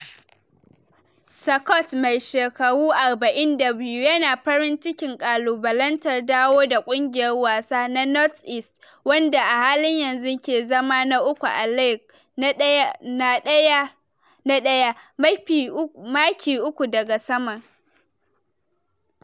Scot, mai shekaru 42, yana farin cikin kalubalantar dawoda kungiyar wasan na North-East, wanda a halin yanzu ke zama na uku a League na daya, maki uku daga saman.